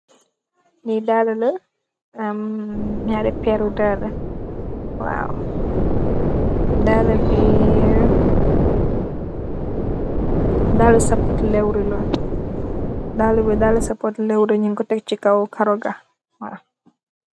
Li daala la nre peeru daala daala bi dala sapot lewre ñin ko teg ci kawu karoga a.